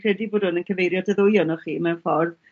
credu bod 'wn yn cyfeirio at y ddwy onoch chi mewn ffordd.